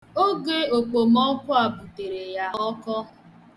Oge okpomọọkụ a butere ya ọkọ.